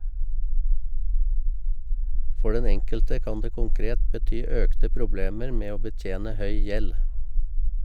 For den enkelte kan det konkret bety økte problemer med å betjene høy gjeld.